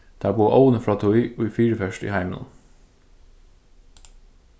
teir boða óðini frá tí ið fyriferst í heiminum